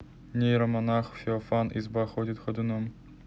нейромонах феофан изба ходит ходуном